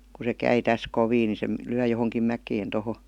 kun se kai tässä kovin niin se lyö johonkin mäkeen tuohon